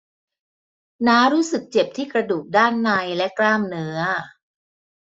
น้ารู้สึกเจ็บที่กระดูกด้านในและกล้ามเนื้อ